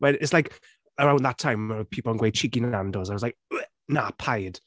Mae'n... it’s like around that time when oedd people yn gweud cheeky Nando’s, I was like; Na, paid.